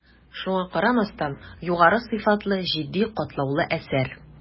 Шуңа карамастан, югары сыйфатлы, житди, катлаулы әсәр.